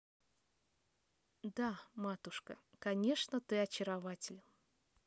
да матушка конечно ты очарователен